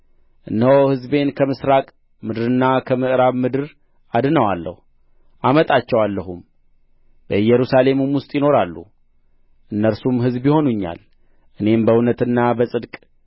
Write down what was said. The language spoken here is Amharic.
እነሆ ሕዝቤን ከምሥራቅ ምድርና ከምዕራብ ምድር አድነዋለሁ አመጣቸዋለሁም በኢየሩሳሌምም ውስጥ ይኖራሉ እነርሱም ሕዝብ ይሆኑኛል እኔም በእውነትና በጽድቅ